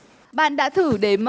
bạn đã thử đếm